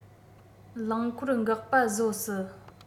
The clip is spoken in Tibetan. རླངས འཁོར འགག པ བཟོ སྲིད